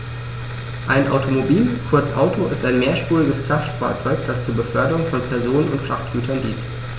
Ein Automobil, kurz Auto, ist ein mehrspuriges Kraftfahrzeug, das zur Beförderung von Personen und Frachtgütern dient.